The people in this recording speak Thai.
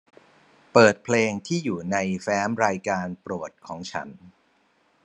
เปิดเพลงที่อยู่ในแฟ้มรายการโปรดของฉัน